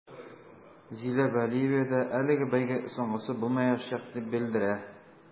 Зилә вәлиева да әлеге бәйге соңгысы булмаячак дип белдерә.